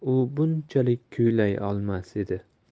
bunchalik kuylay olmas edi